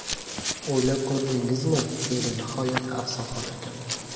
o'ylab ko'rdingizmi dedi nihoyat afzalxon akam